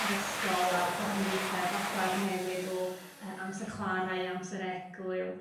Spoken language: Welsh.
yr ysgol a'r gwahaniaethe fath a'r newid o yrr amser chwarae i amser egwyl.